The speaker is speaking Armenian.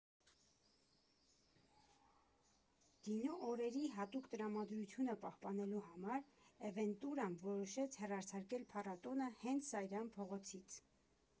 Գինու օրերի հատուկ տրամադրությունը պահպանելու համար Էվենտտուրան որոշեց հեռարձակել փառատոնը հենց Սարյան փողոցից։